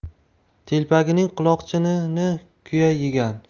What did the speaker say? telpagining quloqchinini kuya yegan